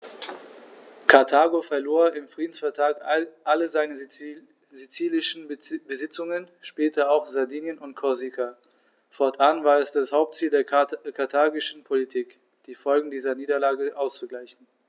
Karthago verlor im Friedensvertrag alle seine sizilischen Besitzungen (später auch Sardinien und Korsika); fortan war es das Hauptziel der karthagischen Politik, die Folgen dieser Niederlage auszugleichen.